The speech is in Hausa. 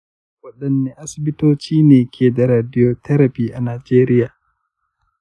wadanne asibitoci ne ke da radiotherapy a najeriya?